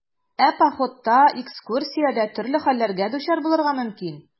Ә походта, экскурсиядә төрле хәлләргә дучар булырга мөмкин.